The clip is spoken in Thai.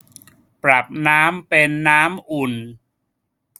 ปรับน้ำเป็นน้ำอุ่น